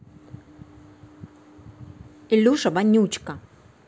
илюша вонючка